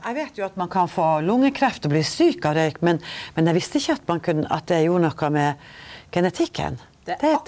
eg veit jo at ein kan få lungekreft og bli sjuk av røyk, men men eg visste ikkje at ein at det gjorde noko med genetikken det.